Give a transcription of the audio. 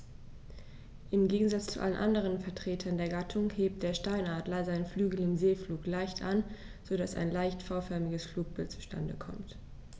Im Gegensatz zu allen anderen Vertretern der Gattung hebt der Steinadler seine Flügel im Segelflug leicht an, so dass ein leicht V-förmiges Flugbild zustande kommt.